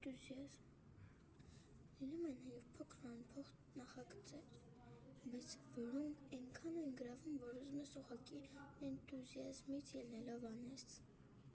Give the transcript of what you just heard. Լինում են նաև փոքր ու անփող նախագծեր, բայց որոնք էնքան են գրավում, որ ուզում ես ուղղակի էնտուզիազմից ելնելով անես։